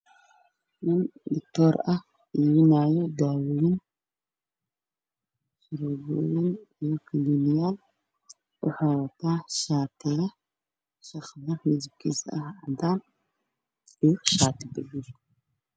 Waa meel farmasho ah nin ayaa fadhiyo dharcad qabo ama dharkii shaqada